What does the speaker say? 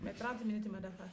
mɛ taranti miniti ma dafa wa